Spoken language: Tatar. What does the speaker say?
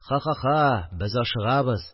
Ха-ха-ха! Без ашыгабыз